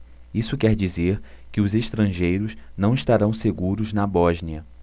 isso quer dizer que os estrangeiros não estarão seguros na bósnia